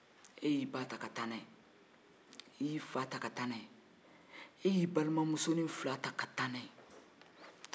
e y'i fa ni ba ani i dɔgɔmusonin ta ka taa n'olu ye